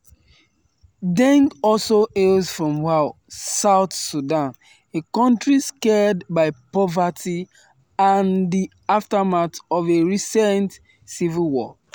Deng also hails from Wau, South Sudan, a country scarred by poverty and the aftermath of a recent civil war.